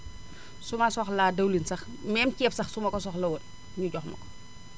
su ma soxlaa diwlin sax même ceeb sax su ma ko soxla woon ñu jox ma ko